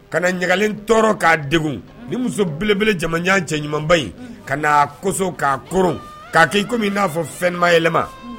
Ka na ɲagalen tɔɔrɔ k'a denw ni muso belebele jamanaya cɛ ɲumanba in ka'a koso k'a kurun k'a kɛi kɔmi min n'a fɔ fɛnmayɛlɛma